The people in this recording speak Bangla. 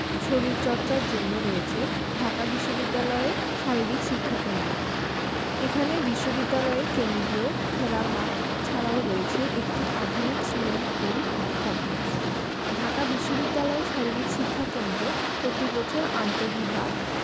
শরীরচর্চার জন্য রয়েছে ঢাকা বিশ্ববিদ্যালয়ে শারীরিক শিক্ষাকেন্দ্র এখানে বিশ্ববিদ্যালয় কেন্দ্রীয় খেলার মাঠ ছাড়াও রয়েছে একটি আধুনিক সুইমিং পুল কমপ্লেক্স ঢাকা বিশ্ববিদ্যালয় শারীরিক শিক্ষা কেন্দ্র প্রতিবছর আন্তঃবিভাগ